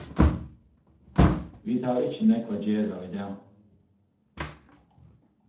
vit hava ikki nógv at gera í dag